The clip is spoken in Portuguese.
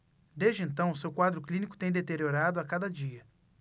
desde então seu quadro clínico tem deteriorado a cada dia